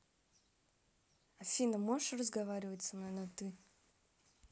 афина можешь разговаривать со мной на ты